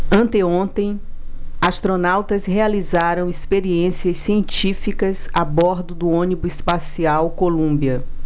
anteontem astronautas realizaram experiências científicas a bordo do ônibus espacial columbia